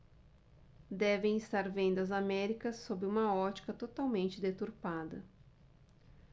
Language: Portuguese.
devem estar vendo as américas sob uma ótica totalmente deturpada